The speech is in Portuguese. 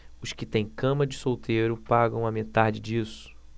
os que têm cama de solteiro pagam a metade disso